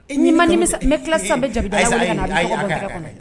Niani bɛ tila san